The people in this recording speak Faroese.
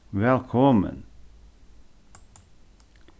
vælkomin